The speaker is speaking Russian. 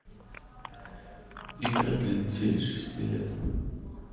игры для детей шести лет